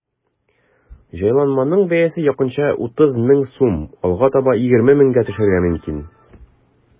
Җайланманың бәясе якынча 30 мең сум, алга таба 20 меңгә төшәргә мөмкин.